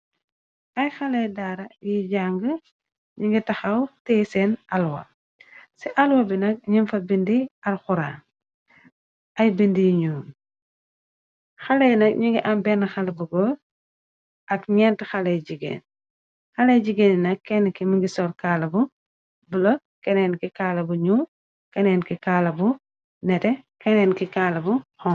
Ay xaley daara yiy jàng ñi ngi taxaw tee seen alwa ci alwa bi nak nim fa bindi arxuran ay bindi yiñyul xaley nak ñingi am benn xale bugoor ak gñent xaley jigéen xaley jigéeni na kenn ki mingi sor kaala bu bula keneen ki kaala bu ñuul ka bu nete keneen ki kaala bu xonk.